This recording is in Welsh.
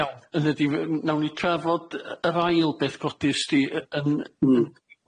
I- iawn, hynny 'di w- n- nawn ni trafod yy yr ail beth godist ti yy yn